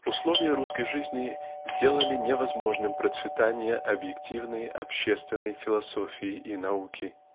Условия русской жизни делали невозможным процветание объективной общественной философии и науки.